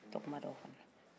tɔgɔ ma d'o fɛnɛ la